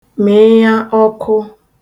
mị̀ịya ọkụ